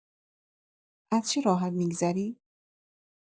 از چی راحت می‌گذری؟